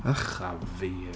Ych a fi!